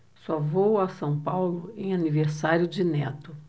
só vou a são paulo em aniversário de neto